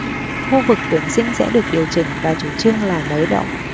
khu vực tuyển sinh sẽ được điều chỉnh và chủ trương là nới rộng